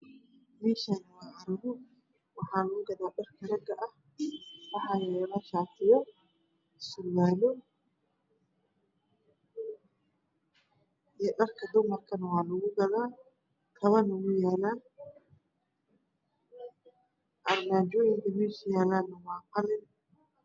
Meshani waa carwo waxaa lavu gadaa dharka raga ah waxaa yalo shatiyo surwalo iyo dharka dumarkana waa lagu gadaa kabana wey yalan armajoyinka meesha yalana waa qalin